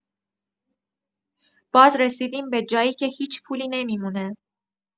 باز رسیدیم به جایی که هیچ پولی نمی‌مونه.